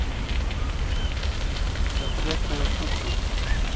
запретная кухня